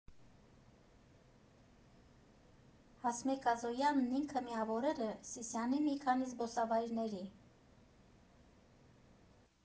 Հասմիկ Ազոյանն ինքը միավորել է Սիսիանի մի քանի զբոսավարների։